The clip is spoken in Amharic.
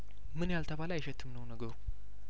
ምን ያልተባለ አይሸትም ነው ነገሩ